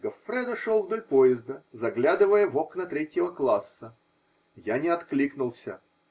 Гоффредо шел вдоль поезда, заглядывая в окна третьего класса. Я не откликнулся.